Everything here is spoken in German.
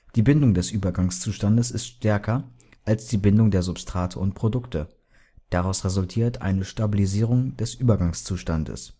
Die Bindung des Übergangszustandes ist stärker als die Bindung der Substrate und Produkte, daraus resultiert eine Stabilisierung des Übergangszustandes